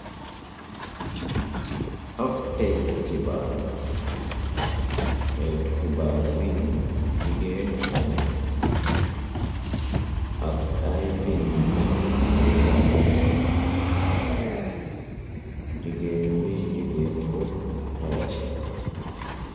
Ab kaytu ki baar la kaytu ki baar wi jigéena fane ak ay binda yu xonku jigéen wi jigéen wu xees la.